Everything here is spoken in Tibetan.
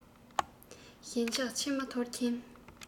ཞེན ཆགས མཆི མ འཐོར གྱིན